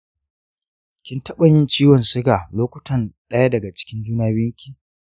kin taɓa yin ciwon siga lokutan ɗaya daga cikin juna biyunki?